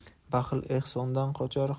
baxil ehsondan qochar